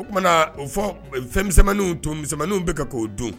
O tumana na o fɔ fɛnmisɛnw tunw bɛ ka k'o don